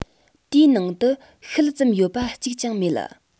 དེའི ནང དུ ཤུལ ཙམ ཡོད པ གཅིག ཀྱང མེད